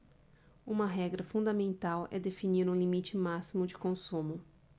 uma regra fundamental é definir um limite máximo de consumo